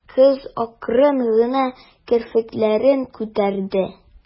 Кыз акрын гына керфекләрен күтәрде.